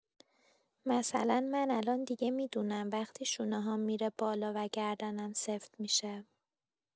مثلا من الان دیگه می‌دونم وقتی شونه‌هام می‌ره بالا و گردنم سفت می‌شه